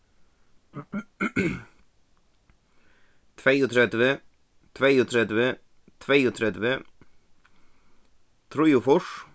tveyogtretivu tveyogtretivu tveyogtretivu trýogfýrs